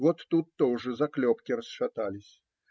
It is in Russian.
Вот тут тоже заклепки расшатались.